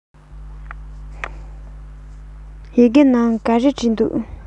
ཡི གེའི ནང ག རེ བྲིས འདུག